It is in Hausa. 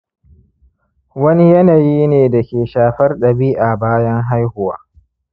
wani yanayi ne da ke shafar dabi'a bayan haihuwa